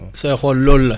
sooy xool loolu la